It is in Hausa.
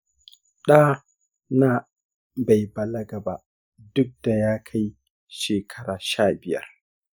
ɗa na bai balaga ba duk da yakai shekara sha biyar.